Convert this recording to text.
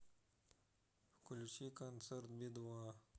включи концерт би два